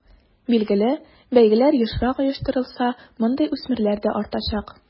Билгеле, бәйгеләр ешрак оештырылса, мондый үсмерләр дә артачак.